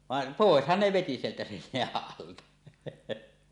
vaan poishan ne veti sieltä sen jään alta